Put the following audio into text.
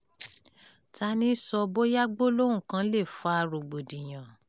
Ta ní í sọ bóyá gbólóhùn kan lè fa rògbòdìyàn?